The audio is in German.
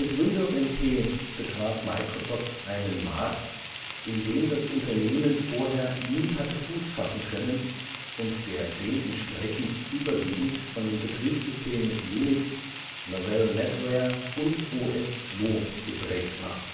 Windows NT betrat Microsoft einen Markt, in dem das Unternehmen vorher nie hatte Fuß fassen können und der dementsprechend überwiegend von den Betriebssystemen Unix, Novell NetWare und OS/2 geprägt war